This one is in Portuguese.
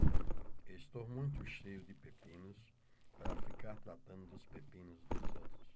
estou muito cheio de pepinos para ficar tratando dos pepinos dos outros